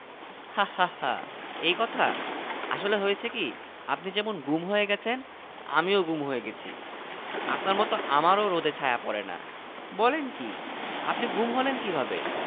সমস্যা তো খুবই গুরুতর কী রকম মনে হচ্ছে আপনি গুম হয়ে গেছেন কী সব বলছেন আমি গুম হতে যাব কোন দুঃখে সেটা তো আমারও প্রশ্ন